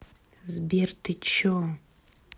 сбер ты че